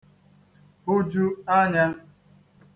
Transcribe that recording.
hụju ānyā